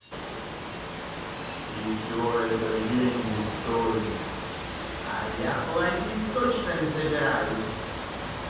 и все это денег стоит а я платить точно не собираюсь